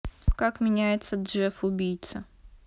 как меняется джеф убийца